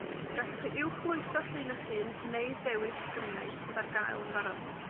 Gallwch uwchlwytho llun 'ych hun neu dewis llyniau sydd ar gael yn barod.